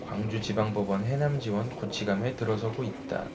광주지방법원 해남지원 구치감에 들어서고 있다